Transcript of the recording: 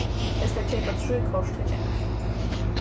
eg skal keypa trý kort til gentur